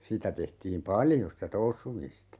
sitä tehtiin paljon sitä toussuamista